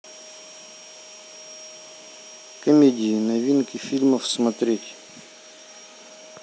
комедии новинки фильмов смотреть